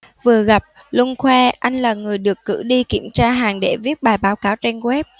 vừa gặp luân khoe anh là người được cử đi kiểm tra hàng để viết bài báo cáo trên web